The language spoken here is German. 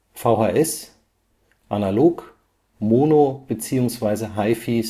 VHS: Analog, Mono (Längsspur) beziehungsweise HiFi-Stereo